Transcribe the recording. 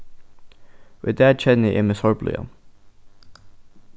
í dag kenni eg meg sorgblíðan